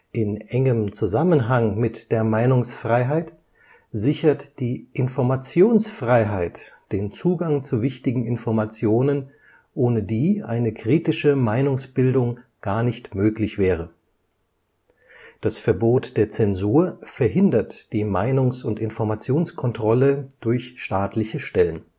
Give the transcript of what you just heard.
In engem Zusammenhang mit der Meinungsfreiheit sichert die Informationsfreiheit den Zugang zu wichtigen Informationen, ohne die eine kritische Meinungsbildung gar nicht möglich wäre. Das Verbot der Zensur verhindert die Meinungs - und Informationskontrolle durch staatliche Stellen